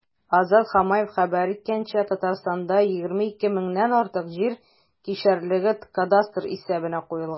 Азат Хамаев хәбәр иткәнчә, Татарстанда 22 меңнән артык җир кишәрлеге кадастр исәбенә куелган.